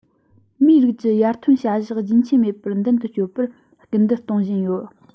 མིའི རིགས ཀྱི ཡར ཐོན བྱ གཞག རྒྱུན ཆད མེད པར མདུན དུ སྐྱོད པར སྐུལ འདེད གཏོང བཞིན ཡོད